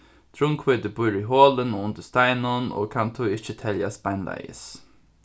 drunnhvíti býr í holum og undir steinum og kann tí ikki teljast beinleiðis